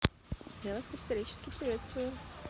я вас категорически приветствую